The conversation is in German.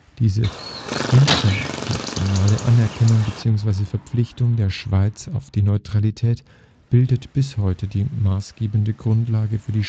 Diese internationale Anerkennung bzw. Verpflichtung der Schweiz auf die Neutralität bildet bis heute die maßgebende Grundlage für die